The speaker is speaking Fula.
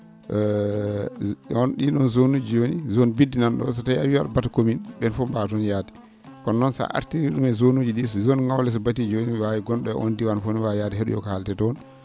on ?iin ?oon zones uji jooni zone Biddi nan ?oo so tawii a wiyii a?a ?ata commune ?een fof mbaawaa toon yaade kono noon sa artiri ?um e zone ?i so zone Ngawle so so batii jooni no waawi gon?o e oon diiwaan fof ne waawi he?oyo ko haaletee toon